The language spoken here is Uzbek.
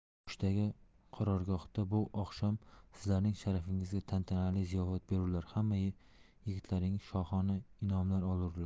o'shdagi qarorgohda bu oqshom sizlarning sharafing'izga tantanali ziyofat berilur hamma yigitlaringiz shohona inomlar olurlar